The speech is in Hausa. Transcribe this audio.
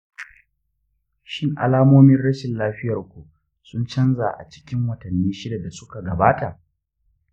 shin alamomin rashin lafiyarku sun canza a cikin watanni shida da suka gabata?